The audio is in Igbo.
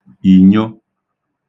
ìnyo